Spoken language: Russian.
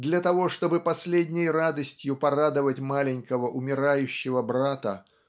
для того чтобы последней радостью порадовать маленького умирающего брата